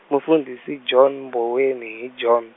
mufundhisi John Mboweni hi John.